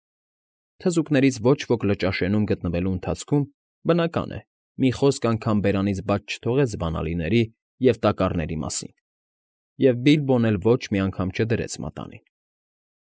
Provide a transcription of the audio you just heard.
Թզուկներից ոչ ոք Լճաշենում գտնվելու ընթացքում, բնական է, մի խոսք անգամ բերանից բաց չթողեց բանալիների և տակառների մասին, և Բիլբոն էլ ոչ մի անգամ չդրեց մատանին։